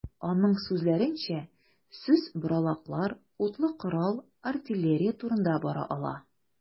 Аның сүзләренчә, сүз боралаклар, утлы корал, артиллерия турында бара ала.